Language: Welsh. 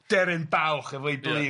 deryn balch efo ei blŷ... Ia